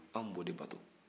anw b'o de bato